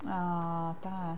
O, da.